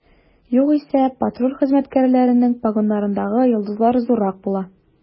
Югыйсә, патруль хезмәткәрләренең погоннарындагы йолдызлар зуррак була.